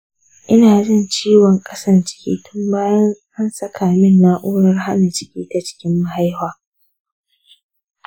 ina jin ciwon ƙasan ciki tun bayan an saka min na’urar hana ciki ta cikin mahaifa.